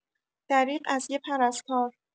دریغ از یه پرستار